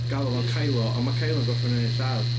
galw fo'n... Dwi jyst... ...Kylo a mae Kylo yn gorffen fyny'n lladd...